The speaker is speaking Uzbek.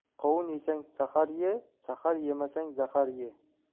qovun yesang sahar ye sahar yemasang zahar ye